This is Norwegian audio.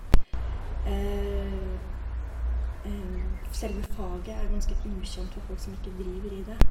f Selve faget er ganske ukjent for folk som ikke driver i det.